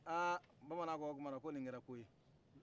aa bamanan k'o kuma ni kɛra koye